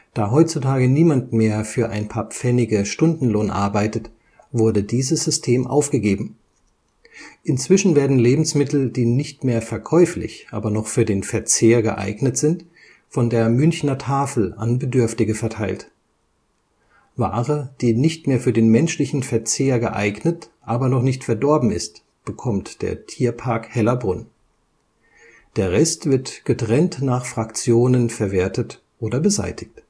Da heutzutage niemand mehr für ein paar Pfennige Stundenlohn arbeitet, wurde dieses System aufgegeben. Inzwischen werden Lebensmittel, die nicht mehr verkäuflich, aber noch für den Verzehr geeignet sind, von der Münchner Tafel an Bedürftige verteilt. Ware, die nicht mehr für den menschlichen Verzehr geeignet, aber noch nicht verdorben ist, bekommt der Tierpark Hellabrunn. Der Rest wird getrennt nach Fraktionen verwertet oder beseitigt